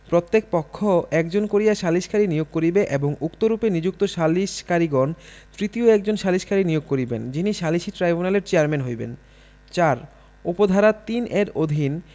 প্রত্যেক পক্ষ একজন করিয়া সালিসকারী নিয়োগ করিবে এবং উক্তরূপে নিযুক্ত সালিককারীগণ তৃতীয় একজন সালিসকারী নিয়োগ করিবেন যিনি সালিসী ট্রাইব্যুনালের চেয়ারম্যান হইবেন ৪ উপ ধারা ৩ এর অধীন